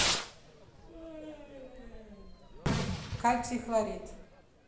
кальций хлорид